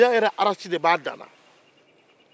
numuya yɛrɛ rasi de b'a dan na